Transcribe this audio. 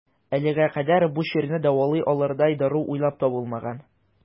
Әлегә кадәр бу чирне дәвалый алырдай дару уйлап табылмаган.